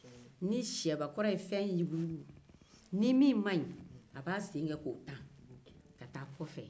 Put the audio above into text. ni sɛbakɔrɔ ye fɛn yuguyugu ni min man ɲ a b'a sen kɛ k'o tan ka taa kɔfɛ